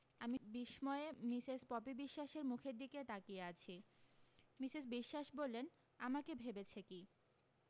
আমি বিসময়ে মিসেস পপি বিশ্বাসের মুখের দিকে তাকিয়ে আছি মিসেস বিশ্বাস বললেন আমাকে ভেবেছে কী